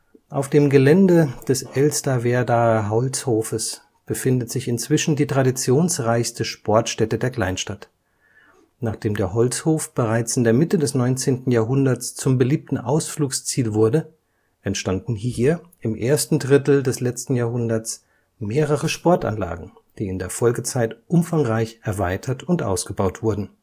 Auf dem Gelände des Elsterwerdaer Holzhofes befindet sich inzwischen die traditionsreichste Sportstätte der Kleinstadt. Nachdem der Holzhof bereits in der Mitte des 19. Jahrhunderts zum beliebten Ausflugsziel wurde, entstanden hier im ersten Drittel des letzten Jahrhunderts mehrere Sportanlagen, die in der Folgezeit umfangreich erweitert und ausgebaut wurden